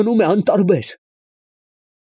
Մնում է անտարբեր։